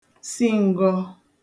si ǹgọ